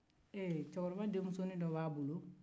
ee cɛkɔrɔba denmusonin dɔ b'a bolo